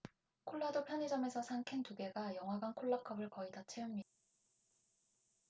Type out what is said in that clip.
콜라도 편의점에서 산 캔 두 개가 영화관 콜라 컵을 거의 다 채웁니다